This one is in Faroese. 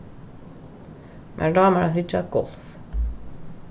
mær dámar at hyggja at golf